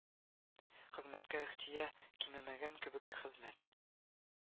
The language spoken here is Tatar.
Хезмәткә ихтыя кимемәгән кебек, хезмәт